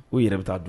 U yɛrɛ bɛ taa don